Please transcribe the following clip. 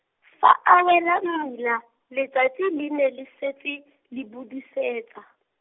fa a wela mmila, letsatsi le ne le setse le budusetsa.